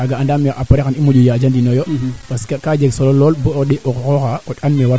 nda kaaga aussi pour o fi'in wofo xooxof refee oxu garna gar a waago fi'in foko mera qooq